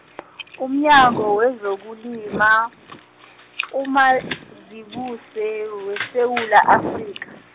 umnyango wezokulima, uMazibuse weSewula Afrika.